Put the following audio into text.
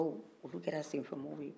olu kɛra senfɛ mɔgɔw ye